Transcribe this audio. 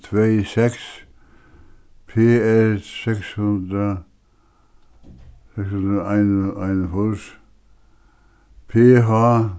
tvey seks p r seks hundrað seks hundrað einogfýrs p h